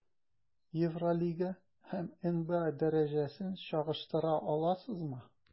Евролига һәм НБА дәрәҗәсен чагыштыра аласызмы?